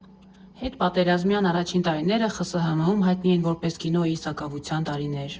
Հետպատերազմյան առաջին տարիները ԽՍՀՄ֊ում հայտնի են որպես կինոյի սակավության տարիներ։